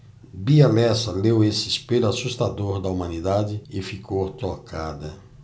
bia lessa leu esse espelho assustador da humanidade e ficou tocada